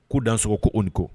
K ko danso ko o de ko